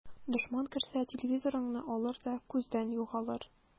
Дошман керсә, телевизорыңны алыр да күздән югалыр.